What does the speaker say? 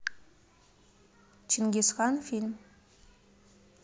чингисхан фильм